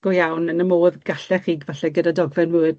go iawn yn y modd gallech chi falle gyda dogfen Word